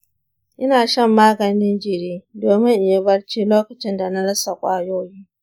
ina shan maganin jiri domin in yi barci lokacin da na rasa ƙwayoyi.